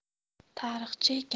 tarixchi ekan